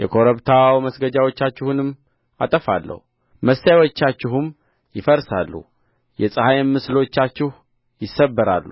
የኮረብታው መስገጃዎቻችሁንም አጠፋለሁ መሠዊያዎቻችሁም ይፈርሳሉ የፀሐይም ምስሎቻችሁ ይሰበራሉ